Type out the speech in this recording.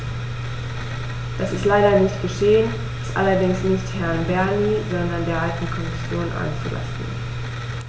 Das ist leider nicht geschehen, was allerdings nicht Herrn Bernie, sondern der alten Kommission anzulasten ist.